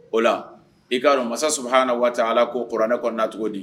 O la i kaa masa saba h ha na waati ala k ko k kɔrɔɛ kɔnɔna na cogo di